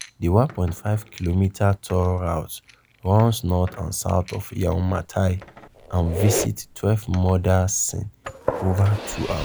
The 1.5-kilometer tour route runs north and south of Yau Ma Tei and visits 12 murder scenes over two hours.